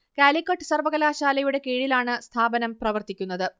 കാലിക്കറ്റ് സർവ്വകലാശാലയുടെ കീഴിലാണ് സ്ഥാപനം പ്രവർത്തിക്കുന്നത്